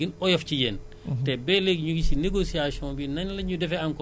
ci biir loolu ñu ne leen assurance baa ngi nii nguur gi dugal na ci loxoom